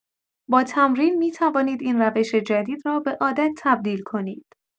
با تمرین می‌توانید این روش جدید را به عادت تبدیل کنید.